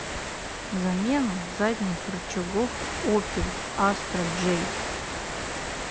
замена задних рычагов опель астра j